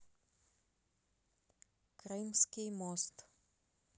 крымский мост